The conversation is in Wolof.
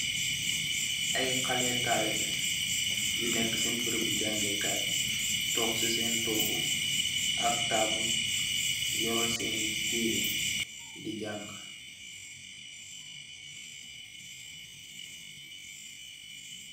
Ay xaleh talibeh yu neka sen perem bi jangeh kai tog si sen togu ak tabul yoreh seni tere di janga.